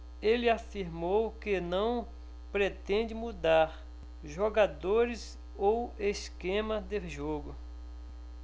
ele afirmou que não pretende mudar jogadores ou esquema de jogo